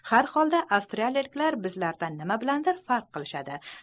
har holda avstraliyaliklar bizlardan nima bilandir farq qilishadi